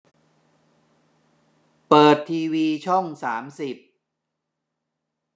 เปิดทีวีช่องสามสิบ